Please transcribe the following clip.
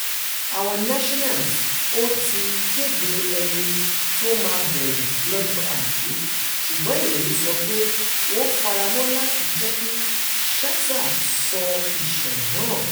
Àwọn Nationals ò tí ì kéde ẹni tó máa bẹ̀rẹ̀ lọ́jọ Àìkú, ṣùgbọ́n ìròyìn sọ pé wọn faramọ́ láti jẹ́kí Scherzer sọ ìṣẹ̀lẹ̀ náà.